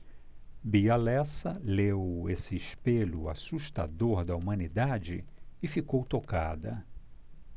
bia lessa leu esse espelho assustador da humanidade e ficou tocada